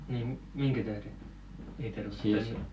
niin minkä tähden ei tervattu